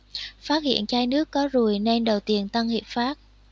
phát hiện chai nước có ruồi nên đòi tiền tân hiệp phát